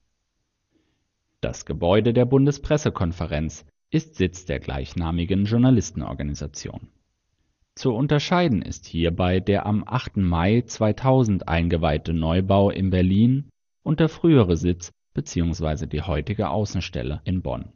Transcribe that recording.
Das Gebäude der Bundespressekonferenz ist der Sitz dieser Journalisten-Organisation. Zu unterscheiden ist hierbei der am 8. Mai 2000 eingeweihte Neubau in Berlin und der frühere Sitz bzw. die heutige Außenstelle in Bonn